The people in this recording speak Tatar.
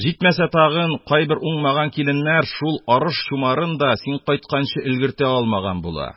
Житмәсә тагын, кайбер уңмаган киленнәр шул арыш чумарын да син кайтканчы өлгертә алмаган була